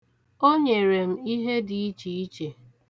O nyere m ihe dị ichiiche.